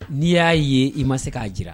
N'i y'a ye i ma se k'a jira